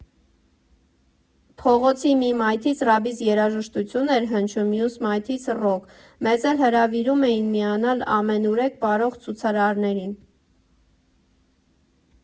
Փողոցի մի մայթից ռաբիս երաժշտություն էր հնչում, մյուս մայթից՝ ռոք, մեզ էլ հրավիրում էին միանալ ամենուրեք պարող ցուցարարներին։